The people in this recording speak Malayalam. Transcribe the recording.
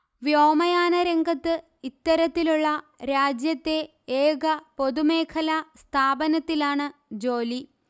വ്യോമയാനരംഗത്ത് ഇത്തരത്തിലുള്ള രാജ്യത്തെ ഏക പൊതുമേഖലാ സ്ഥാപനത്തിലാണ് ജോലി